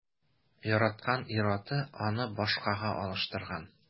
Яраткан ир-аты аны башкага алыштырган.